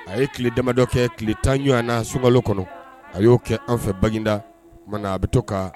A ye tile damadɔ kɛ tiletan ɲɔgɔn na sunka kɔnɔ a y'o kɛ an fɛ bangeda nka na a bɛ to kan